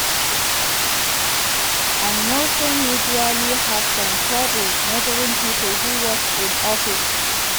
And Nielsen usually has some trouble measuring people who watch in offices.